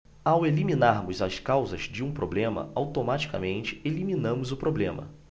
ao eliminarmos as causas de um problema automaticamente eliminamos o problema